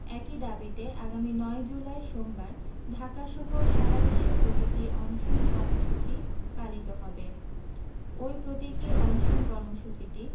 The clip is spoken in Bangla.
একই দাবিতে আগামী ৯ জুলাই সোমবার ঢাকাসহ সারাদেশে প্রতীকী অনশন কর্মসূচি পালিত হবে ওই প্রতীকী অনশন কর্মসূচিটি